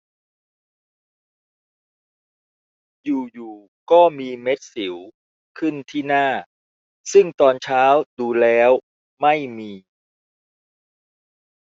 อยู่อยู่ก็มีเม็ดสิวขึ้นที่หน้าซึ่งตอนเช้าดูแล้วไม่มี